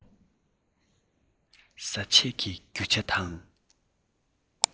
ཁ ཟས ཀྱི རྒྱུ ཆ དང